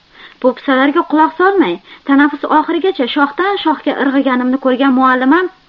po'pisalarga quloq solmay tanaffus oxirigacha shoxdan shoxga irg'iganimni ko'rgan muallimam